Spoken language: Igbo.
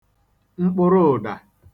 mkpụrụụ̀dà